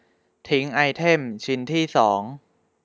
ทิ้งไอเทมชิ้นที่สอง